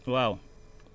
waaw